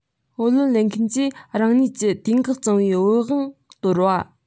བུ ལོན ལེན མཁན གྱིས རང ཉིད ཀྱི དུས བཀག གཙང བའི བུན དབང དོར བ